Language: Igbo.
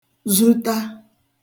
zuta